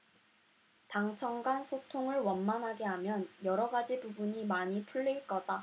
당청간 소통을 원만하게 하면 여러가지 부분이 많이 풀릴거다